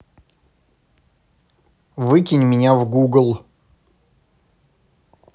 выкинь меня в google